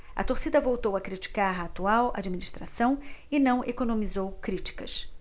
a torcida voltou a criticar a atual administração e não economizou críticas